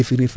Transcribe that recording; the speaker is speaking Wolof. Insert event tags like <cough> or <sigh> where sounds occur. <hesitation> <hesitation>